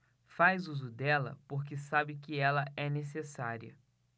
faz uso dela porque sabe que ela é necessária